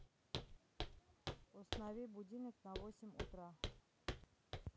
установи будильник на восемь утра